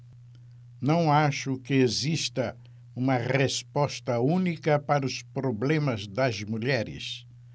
não acho que exista uma resposta única para os problemas das mulheres